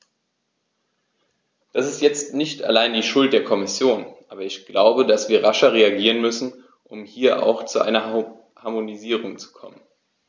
Das ist jetzt nicht allein die Schuld der Kommission, aber ich glaube, dass wir rascher reagieren müssen, um hier auch zu einer Harmonisierung zu kommen.